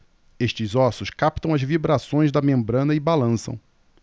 estes ossos captam as vibrações da membrana e balançam